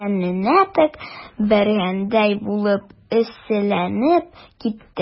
Тәненә ток бәргәндәй булып эсселәнеп китте.